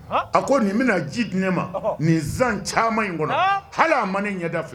A ko nin bɛna ji dun ma nin zan caman in kɔnɔ hali a ma nin ɲɛda filɛ